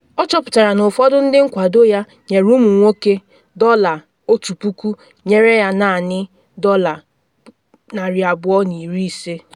Ọ chọpụtara na ụfọdụ ndị nkwado ya nyere ụmụ nwoke $1000 nyere ya naanị $250.